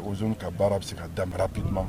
O z ka baara bɛ se ka da mara binuma